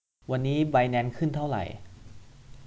วันนี้ไบแนนซ์ขึ้นเท่าไหร่